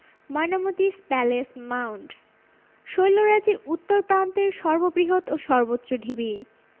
Mainamati's palace mound শৈলরাজির উত্তর প্রান্তের সর্ববৃহৎ ও সর্বোচ্চ ঢিবি